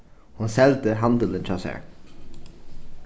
hon seldi handilin hjá sær